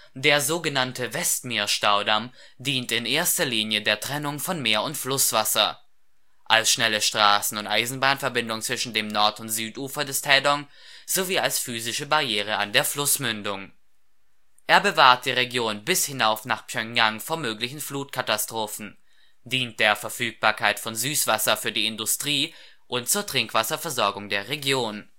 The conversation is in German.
Der so genannte Westmeerstaudamm dient in erster Linie der Trennung von Meer - und Flusswasser, als schnelle Straßen - und Eisenbahnverbindung zwischen dem Nord - und Südufer des Taedong sowie als physische Barriere an der Flussmündung. Er bewahrt die Region bis hinauf nach Pjöngjang vor möglichen Flutkatastrophen, dient der Verfügbarkeit von Süßwasser für die Industrie und zur Trinkwasserversorgung der Region